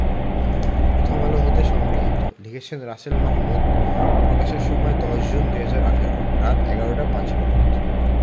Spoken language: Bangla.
প্রথমআলো হতে সংগৃহীত লিখেছেন রাসেল মাহমুদ প্রকাশের সময় ১০ জুন ২০১৮ রাত ১১টা ৫ মিনিট